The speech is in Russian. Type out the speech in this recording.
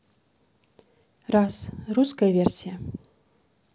раз русская версия